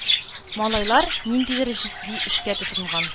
Малайлар ниндидер җитди эшкә тотынган